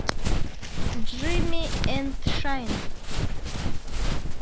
jimmy and shine